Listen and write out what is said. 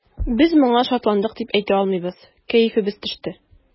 Без моңа шатландык дип әйтә алмыйбыз, кәефебез төште.